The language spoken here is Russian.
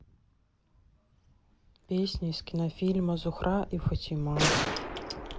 песня из кинофильма зухра и фатима